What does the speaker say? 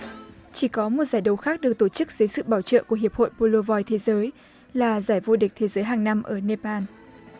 chỉ có một giải đấu khác được tổ chức dưới sự bảo trợ của hiệp hội po lô voi thế giới là giải vô địch thế giới hằng năm ở nepal